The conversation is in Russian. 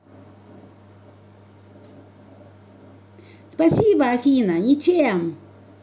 спасибо афина ничем